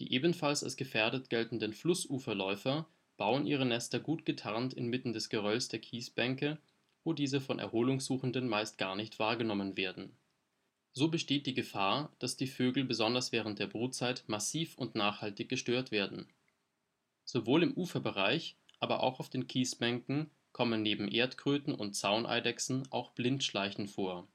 ebenfalls als gefährdet geltenden Flussuferläufer bauen ihre Nester gut getarnt inmitten des Gerölls der Kiesbänke, wo diese von Erholungssuchenden meist gar nicht wahrgenommen werden. So besteht die Gefahr, dass die Vögel besonders während der Brutzeit massiv und nachhaltig gestört werden. Sowohl im Uferbereich, aber auch auf den Kiesbänken kommen neben Erdkröten und Zauneidechsen auch Blindschleichen vor